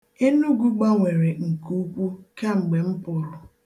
Enugwu gbanwere nke ukwu kemgbe m pụrụ.